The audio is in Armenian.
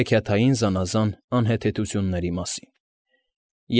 Հեքիաթային զանազան անհեթեթությունների մասին»։